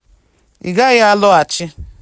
Ị gaghị alọghachi!'